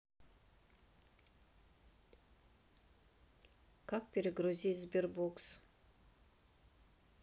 как перегрузить sberbox